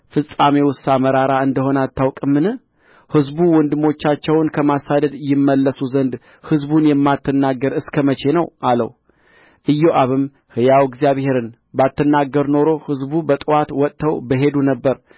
ፍጻሜውሳ መራራ እንደ ሆነ አታውቅምን ሕዝቡ ወንድሞቻቸውን ከማሳደድ ይመለሱ ዘንድ ሕዝቡን የማትናገር እስከ መቼ ነው አለው ኢዮአብም ሕያው እግዚአብሔርን ባትናገር ኖሮ ሕዝቡ በጥዋት ወጥተው በሄዱ ነበር